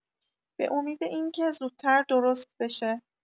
به امید اینکه زودتر درست بشه